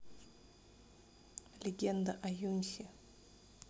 легенда о юньхи